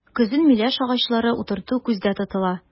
Көзен миләш агачлары утырту күздә тотыла.